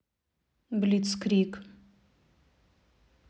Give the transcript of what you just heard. блиц криг